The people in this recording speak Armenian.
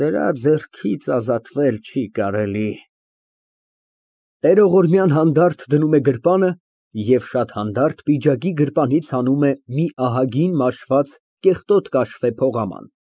Դրա ձեռքից ազատվել չի կարելի։ (Տերողորմյան հանդարտ դնում է գրպանը և շատ հանդարտ պիջակի գրպանից հանում է մի ահագին մաշված, կեղտոտ կաշվե փողաման)։